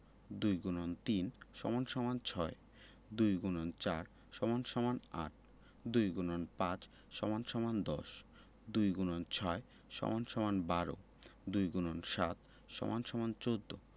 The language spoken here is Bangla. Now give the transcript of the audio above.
২ X ৩ = ৬ ২ X ৪ = ৮ ২ X ৫ = ১০ ২ X ৬ = ১২ ২ X ৭ = ১৪